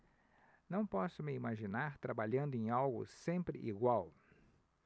não posso me imaginar trabalhando em algo sempre igual